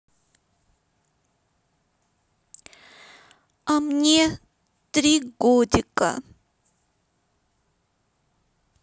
а мне три годика